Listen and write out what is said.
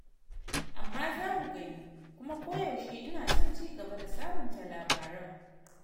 "Amma za mu gani kuma koyaushe ina son ci gaba da sabunta labaran."